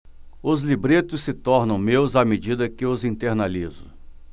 os libretos se tornam meus à medida que os internalizo